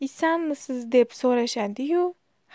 isanmisiz deb so'rashadi yu